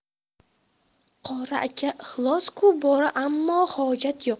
qori aka ixlos ku bora ammo hojat yo'q